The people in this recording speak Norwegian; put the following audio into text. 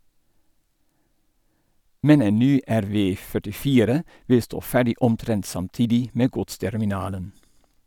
Men en ny RV 44 vil stå ferdig omtrent samtidig med godsterminalen.